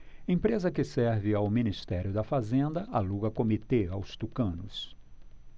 empresa que serve ao ministério da fazenda aluga comitê aos tucanos